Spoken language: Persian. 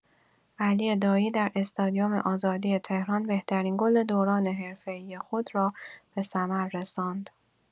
علی دایی در استادیوم آزادی تهران بهترین گل دوران حرفه‌ای خود را به ثمر رساند.